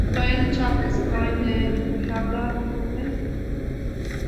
Chi roi e yn y chat os chi moyn ne' rhoi llaw lan a gofyn.